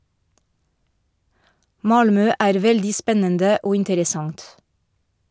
- Malmö er veldig spennende og interessant.